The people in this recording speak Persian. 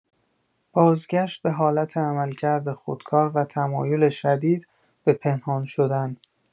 بازگشت به حالت عملکرد خودکار و تمایل شدید به پنهان‌شدن